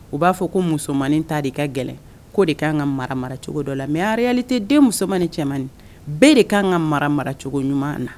U b'a fɔ ko musomannin ta de ka gɛlɛn ko de k' kan ka mara maracogo dɔ la mɛali tɛ den musomanmaninin cɛman bɛɛ de' kan ka mara maracogo ɲuman na